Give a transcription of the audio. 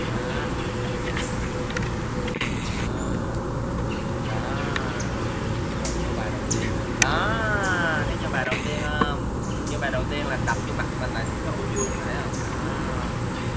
đó rồi mình lập ra mấy cái trang này nè đó đó rồi vô bài đầu tiên nè đó thấy chưa bài đầu tiên hông vô bài đầu tiên là đập vô măt mình là những cái ô vuông nè thấy hông đó